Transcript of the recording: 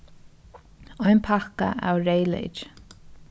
ein pakka av reyðleyki